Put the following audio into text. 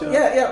So, ie, ie.